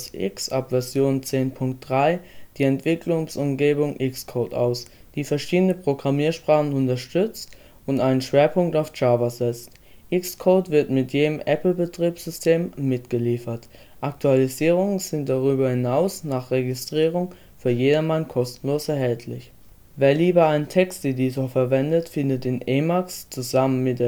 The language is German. X ab Version 10.3 die Entwicklungsumgebung Xcode aus, die verschiedene Programmiersprachen unterstützt und einen Schwerpunkt auf Java setzt. Xcode wird mit jedem Apple (- Betriebssystem) mitgeliefert, Aktualisierungen sind darüber hinaus nach Registrierung für jedermann kostenlos erhältlich. Wer lieber einen Texteditor verwendet, findet in Emacs zusammen mit